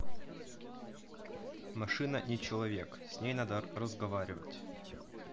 машина не человек с ней надо разговаривать